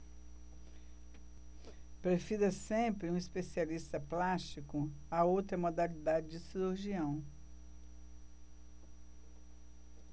prefira sempre um especialista plástico a outra modalidade de cirurgião